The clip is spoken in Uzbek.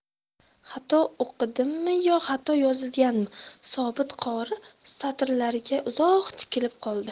xato o'qidimmi yo xato yozilganmi sobit qori satrlarga uzoq tikilib qoldi